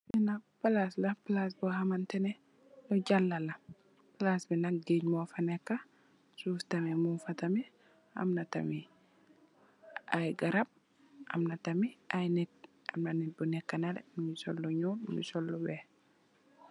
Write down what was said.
Fi nak palaas la, palaas bo hamantene lu jala la. Palaas bi nak gèej mo fa nekka, suuf tamit mung fa tamit. Amna tamit ay garab, Amna tamit ay nit. Amna nit bu nekka nalè mungi sol lu ñuul ak mungi lu weeh.